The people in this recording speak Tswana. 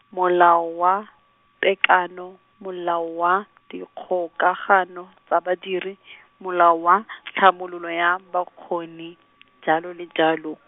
Molao wa, Tekano, Molao wa Dikgokagano tsa badiri , Molao wa , Tlhabololo ya bokgoni, jalo le jalo.